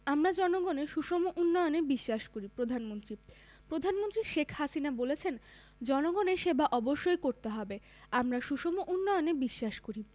আমরা জনগণের সুষম উন্নয়নে বিশ্বাস করি প্রধানমন্ত্রী প্রধানমন্ত্রী শেখ হাসিনা বলেছেন জনগণের সেবা অবশ্যই করতে হবে আমরা সুষম উন্নয়নে বিশ্বাস করি